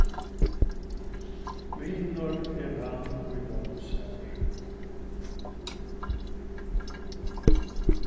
vinur er hann ið vomm sær